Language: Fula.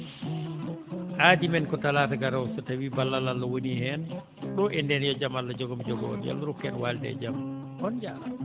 aadi men ko talaata garoowo so tawii ballal Allah wonii heen ɗo e ndeen he jam Allah jogo mi jogoo on yo Allah rokku en waalde e jam on njaaraama